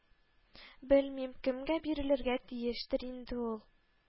Белмим, кемгә бирелергә тиештер инде ул